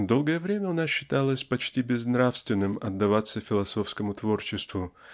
Долгое время у нас считалось почти безнравственным отдаваться философскому творчеству